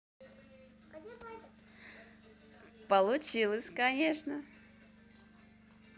получилось конечно